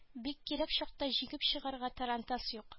Бик кирәк чакта җигеп чыгарга тарантас юк